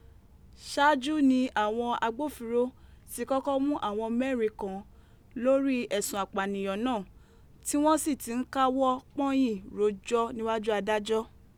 Ṣaaju ni awọn agbofinro ti kọkọ mu awọn mẹrin kan lori ẹsun ipaniyan naa, ti wọn si ti n kawọ pọnyin rojọ niwaju adajọ.